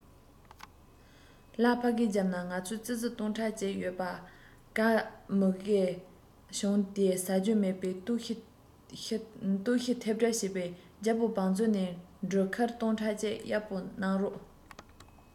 ལ ཕ གིའི རྒྱབ ན ང ཚོ ཙི ཙི སྟིང ཕྲག གཅིག ཡོད པ ག མུ གེ བྱུང སྟེ ཟ རྒྱུ མེད བས ལྟོགས ཤི ཐེབས གྲབས བྱེད པས རྒྱལ པོའི བང མཛོད ནས འབྲུ ཁལ སྟོང ཕྲག གཅིག གཡར པོ གནང རོགས